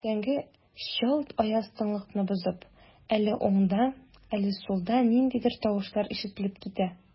Иртәнге чалт аяз тынлыкны бозып, әле уңда, әле сулда ниндидер тавышлар ишетелеп китә.